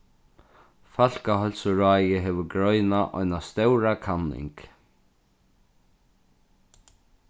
fólkaheilsuráðið hevur greinað eina stóra kanning